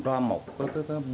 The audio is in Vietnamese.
ra một